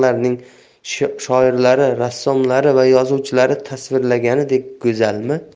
xalqlarning shoirlari rassomlari va yozuvchilari tasvirlaganidek go'zalmi